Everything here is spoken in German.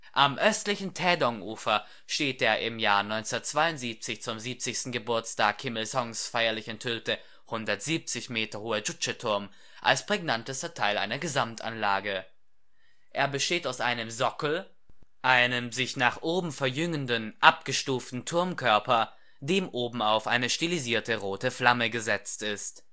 Am östlichen Taedong-Ufer steht der im Jahr 1982 zum 70. Geburtstag Kim Il-sungs feierlich enthüllte 170 Meter hohe Chuch'e-Turm, als prägnantester Teil einer Gesamtanlage. Er besteht aus einem Sockel, einem sich nach oben verjüngenden, abgestuften Turmkörper, dem obenauf eine stilisierte rote Flamme gesetzt ist